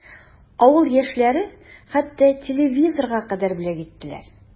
Авыл яшьләре хәтта телевизорга кадәр бүләк иттеләр.